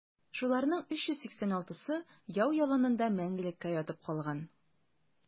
Шуларның 386-сы яу яланында мәңгелеккә ятып калган.